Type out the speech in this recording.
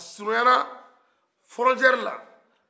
a suru ɲana fɔrɔtɛri la